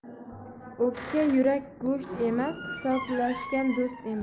o'pka yurak go'sht emas hisoblashgan do'st emas